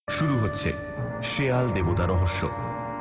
শুরু হচ্ছে শেয়াল দেবতা রহস্য